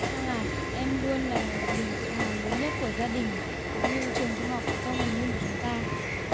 trang à em luôn là niềm tự hào lớn nhất của gia đình cũng như trường trung học phổ thông bình minh của chúng ta